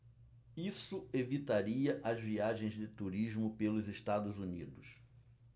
isso evitaria as viagens de turismo pelos estados unidos